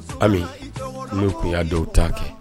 Ami min tun y'a dɔw t ta kɛ